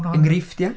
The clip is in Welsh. Enghreifftiau?